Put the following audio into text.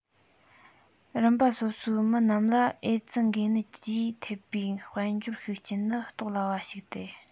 རིམ པ སོ སོའི མི རྣམས ལ ཨེ ཙི འགོས ནད ཀྱིས ཐེབས པའི དཔལ འབྱོར ཤུགས རྐྱེན ནི རྟོགས སླ བ ཞིག སྟེ